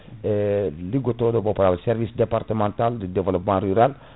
e liggodtoɗo mo dal service département du développement rural